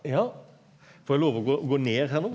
ja, får eg lov å gå gå ned her no?